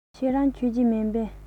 ཁྱོད རང མཆོད ཀྱི མིན པས